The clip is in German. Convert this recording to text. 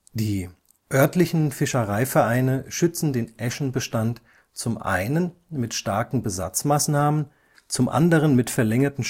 Die örtlichen Fischereivereine schützen den Äschenbestand zum einen mit starken Besatzmaßnahmen, zum anderen mit verlängerten